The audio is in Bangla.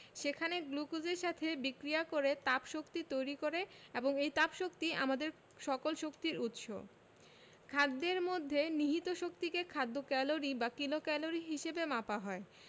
সেখানে গ্লুকোজের সাথে বিক্রিয়া করে তাপশক্তি তৈরি করে এবং এই তাপশক্তি আমাদের সকল শক্তির উৎস খাদ্যের মধ্যে নিহিত শক্তিকে খাদ্য ক্যালরি বা কিলোক্যালরি হিসেবে মাপা হয়